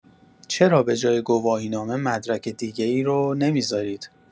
چرا به‌جای گواهینامه مدرک دیگه‌ای رو نمی‌زارید.